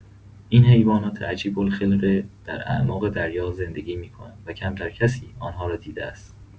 این حیوانات عجیب‌الخلقه در اعماق دریا زندگی می‌کنند و کمتر کسی آن‌ها را دیده است.